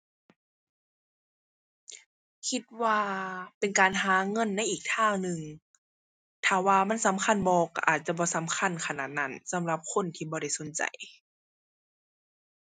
คิดว่าเป็นการหาเงินในอีกทางหนึ่ง ถ้าว่ามันสำคัญบ่ ก็อาจจะบ่สำคัญขนาดนั้นสำหรับคนที่บ่ได้สนใจ